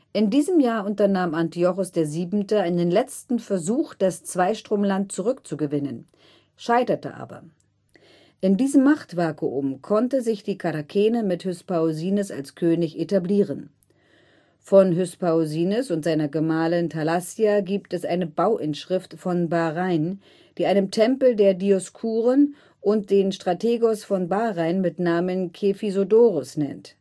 In diesem Jahr unternahm Antiochos VII. einen letzten Versuch das Zweistromland zurückzugewinnen, scheiterte aber. In diesem Machtvakuum konnten sich die Charakene mit Hyspaosines als König etablieren. Von Hyspaosines und seiner Gemahlin Thalassia gibt es eine Bauinschrift von Bahrain, die einem Tempel der Dioskuren und den Strategos von Bahrain mit Namen Kephisodoros nennt